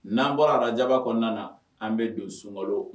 N'an bɔra arajaba kɔnɔna na an bɛ don sunkalo